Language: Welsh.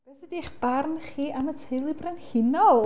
Beth ydi eich barn chi am y teulu brenhinol?